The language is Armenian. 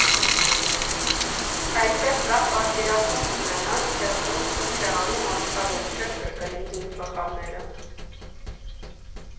Այսպես լավ պատկերացում կունենաս, թե ով ինչ է անում աշխարհում, չես կրկնի հին սխալները։